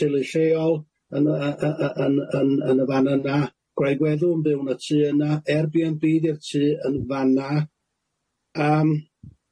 teulu lleol yn y y y yn yn yn y fan yna gwraig weddw'n byw yn y tŷ yna Airbnb 'di'r tŷ yn fan 'na.